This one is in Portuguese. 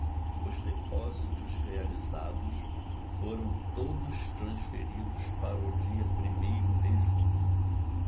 os depósitos realizados foram todos transferidos para o dia primeiro de junho